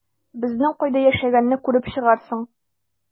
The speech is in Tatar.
Безнең кайда яшәгәнне күреп чыгарсың...